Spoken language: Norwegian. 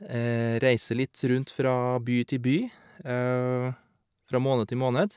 Reise litt rundt fra by til by, fra måned til måned.